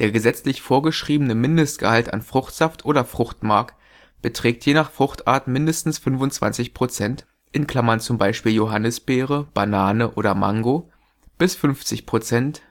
gesetzlich vorgeschriebene Mindestgehalt an Fruchtsaft oder Fruchtmark beträgt je nach Fruchtart mindestens 25 % (z. B. Johannisbeere, Banane, Mango) bis 50 %